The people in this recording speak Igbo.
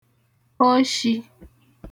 oshī